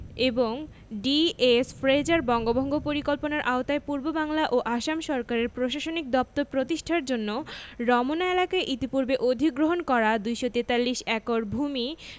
এবং D S. Fraser বঙ্গভঙ্গ পরিকল্পনার আওতায় পূর্ববাংলা ও আসাম সরকারের প্রশাসনিক দপ্তর প্রতিষ্ঠার জন্য রমনা এলাকায় ইতিপূর্বে অধিগ্রহণ করা ২৪৩ একর ভূমি